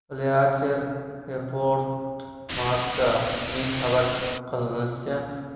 bleacher reportmarca'ning xabar qilishicha